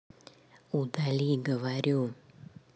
удали говорю